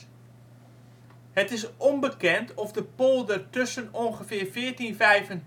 onbekend of de polder tussen ongeveer 1425 en 1476